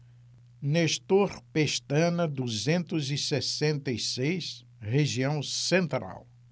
nestor pestana duzentos e sessenta e seis região central